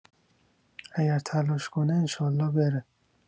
اگر تلاش کنه انشالله بره